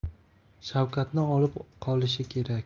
shavkatni olib qoilishi kerak